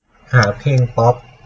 หาเพลงป๊อป